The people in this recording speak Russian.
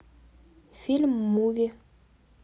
фильм муви